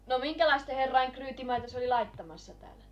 no minkälaisien herrojen ryytimaita se oli laittamassa täällä